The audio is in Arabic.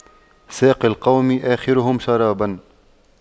ساقي القوم آخرهم شراباً